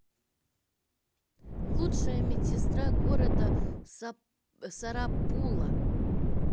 лучшая медсестра города сарапула